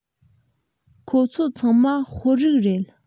ཁོ ཚོ ཚང མ ཧོར རིགས རེད